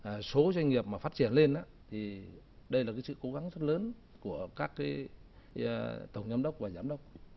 à số doanh nghiệp mà phát triển lên á thì đây là cái sự cố gắng rất lớn của các cái ơ tổng giám đốc và giám đốc